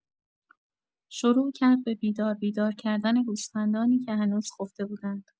شروع کرد به بیدار بیدار کردن گوسفندانی که هنوز خفته بودند.